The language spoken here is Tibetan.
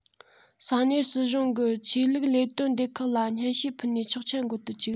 ས གནས སྲིད གཞུང གི ཆོས ལུགས ལས དོན སྡེ ཁག ལ སྙན ཞུ ཕུལ ནས ཆོག མཆན འགོད དུ བཅུག